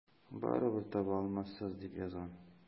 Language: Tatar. Барыбер таба алмассыз, дип язган.